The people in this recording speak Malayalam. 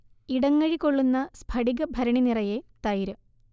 ഇടങ്ങഴി കൊള്ളുന്ന സ്ഫടിക ഭരണി നിറയെ തൈര്